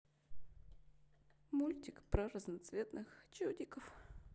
мультик про разноцветных чудиков